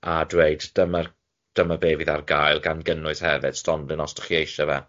A dweud dyma- dyma be' fydd ar gael gan gynnwys hefyd stondin os dach chi eisie fe.